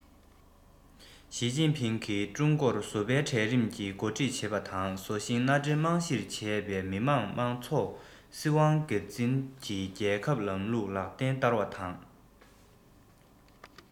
ཞིས ཅིན ཕིང གིས ཀྲུང གོར བཟོ པའི གྲལ རིམ གྱིས འགོ ཁྲིད བྱེད པ དང བཟོ ཞིང མནའ འབྲེལ རྨང གཞིར བྱས པའི མི དམངས དམངས གཙོའི སྲིད དབང སྒེར འཛིན གྱི རྒྱལ ཁབ ཀྱི ལམ ལུགས ལག ལེན བསྟར བ དང